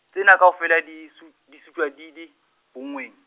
tsena kaofela di su-, di sutjwa di di, bonngweng.